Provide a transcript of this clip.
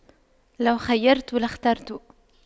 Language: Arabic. لو خُيِّرْتُ لاخترت